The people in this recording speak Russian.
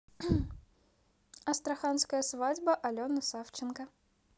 астраханская свадьба алену савченко